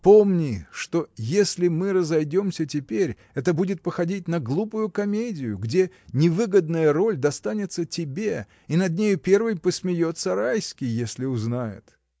Помни, что если мы разойдемся теперь, это будет походить на глупую комедию, где невыгодная роль достанется тебе, — и над нею первый посмеется Райский, если узнает.